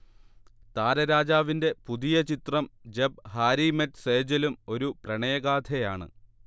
താരരാജാവിന്റെ പുതിയ ചിത്രം Jab Harry met സേജലും ഒരു പ്രണയഗാഥയാണ്